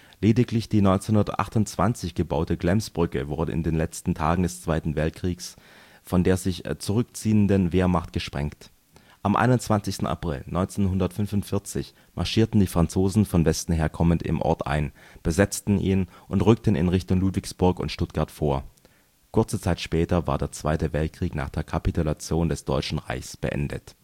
Lediglich die 1928 gebaute Glemsbrücke wurde in den letzten Tagen des Zweiten Weltkrieges von der sich zurückziehenden Wehrmacht gesprengt. Am 21. April 1945 marschierten die Franzosen von Westen her kommend im Ort ein, besetzten ihn und rückten in Richtung Ludwigsburg und Stuttgart vor. Kurze Zeit später war der Zweite Weltkrieg nach der Kapitulation des Deutschen Reichs beendet